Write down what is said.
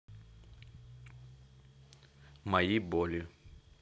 мои боли